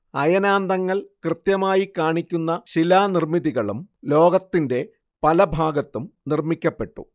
അയനാന്തങ്ങൾ കൃത്യമായി കാണിക്കുന്ന ശിലാനിർമ്മിതികളും ലോകത്തിന്റെ പലഭാഗത്തും നിർമ്മിക്കപ്പെട്ടു